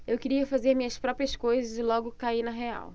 eu queria fazer minhas próprias coisas e logo caí na real